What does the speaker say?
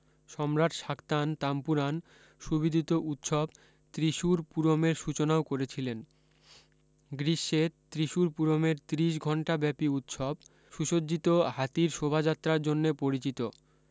সম্রাট শাক্তান তাম্পুরান সুবিদিত উৎসব ত্রিসূর পূরমের সূচনাও করেছিলেন গ্রীষ্মে ত্রিসূর পূরমের ত্রিশ ঘণ্টা ব্যাপী উৎসব সুসজ্জিত হাতির শোভাযাত্রার জন্যে পরিচিত